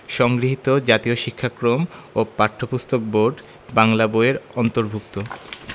সংগৃহীত জাতীয় শিক্ষাক্রম ও পাঠ্যপুস্তক বোর্ড বাংলা বই এর অন্তর্ভুক্ত